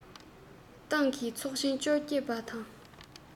ཁ གཏད བོད སྐྱོར གྱི ལས དོན ལེགས པར སྒྲུབ པར